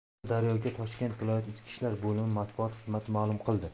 bu haqda daryo ga toshkent viloyati ichki ishlar bolimi matbuot xizmati ma'lum qildi